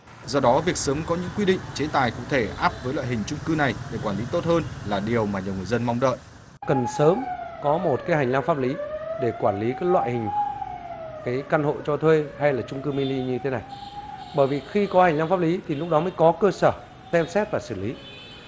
do đó việc sớm có những quy định chế tài cụ thể ắp với loại hình chung cư này để quản lý tốt hơn là điều mà nhiều người dân mong đợi cần sớm có một cái hành lang pháp lý để quản lý các loại hình cái căn hộ cho thuê hay là chung cư mi ni như thế này bởi vì khi có hành lang pháp lý thì lúc đó mới có cơ sở xem xét và xử lý